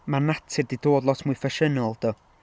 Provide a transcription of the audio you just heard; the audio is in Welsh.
mae natur 'di dod lot mwy ffasiynnol do?